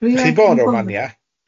Chi di bod yn Romania?